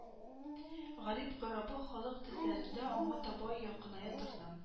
Гарип-гораба халык тезләрендә аңа таба якыная торды